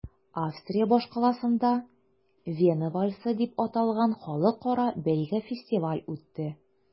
Австрия башкаласында “Вена вальсы” дип аталган халыкара бәйге-фестиваль үтте.